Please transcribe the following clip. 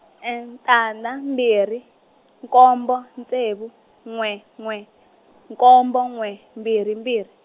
tandza mbirhi, nkombo ntsevu, n'we n'we, nkombo n'we mbirhi mbirhi.